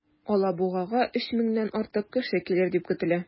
Алабугага 3 меңнән артык кеше килер дип көтелә.